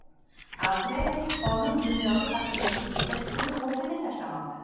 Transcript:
avstraliyalik olim dunyoviy ahamiyatga ega fikrini o'rtaga tashlamoqda